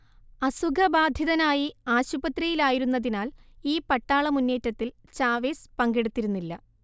അസുഖബാധിതനായി ആശുപത്രിയിൽ ആയിരുന്നതിനാൽ ഈ പട്ടാളമുന്നേറ്റത്തിൽ ചാവേസ് പങ്കെടുത്തിരുന്നില്ല